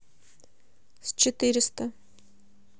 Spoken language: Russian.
с четыреста